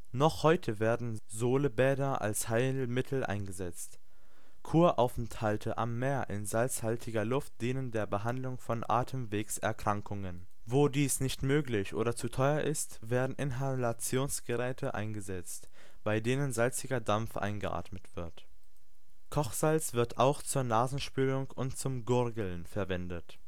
Noch heute werden Solebäder als Heilmittel eingesetzt. Kuraufenthalte am Meer in salzhaltiger Luft dienen der Behandlung von Atemwegserkrankungen. Wo dies nicht möglich oder zu teuer ist, werden Inhalationsgeräte eingesetzt, bei denen salziger Dampf eingeatmet wird. Kochsalz wird auch zur Nasenspülung und zum Gurgeln verwendet